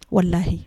Walahi